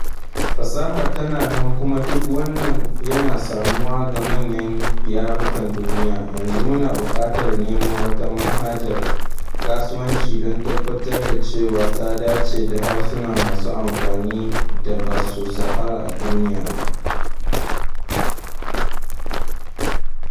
Fasahar tana nan kuma duk wannan yana samuwa ga manyan yarukan duniya, yanzu muna buƙatar nemo wata manhajar kasuwanci don tabbatar da cewa ta dace da harsuna masu amfani da ba su shahara a duniya ba.